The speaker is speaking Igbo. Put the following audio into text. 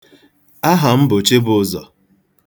Aha m bụ Chibụzọ.